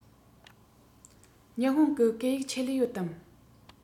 ཉི ཧོང གི སྐད ཡིག ཆེད ལས ཡོད དམ